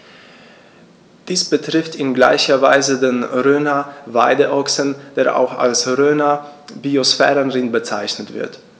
Dies betrifft in gleicher Weise den Rhöner Weideochsen, der auch als Rhöner Biosphärenrind bezeichnet wird.